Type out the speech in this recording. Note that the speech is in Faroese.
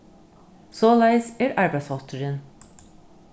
soleiðis er arbeiðshátturin